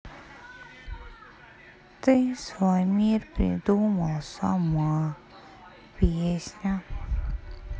ты свой мир придумала сама песня